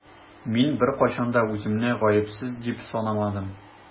Мин беркайчан да үземне гаепсез дип санамадым.